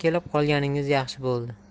kelib qolganingiz yaxshi bo'ldi